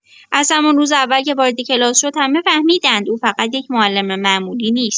از همان روز اول که وارد کلاس شد، همه فهمیدند او فقط یک معلم معمولی نیست.